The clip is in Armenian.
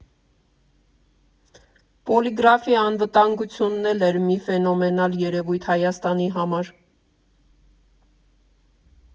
Պոլիգրաֆի անվտանգությունն էլ էր մի ֆենոմենալ երևույթ Հայաստանի համար։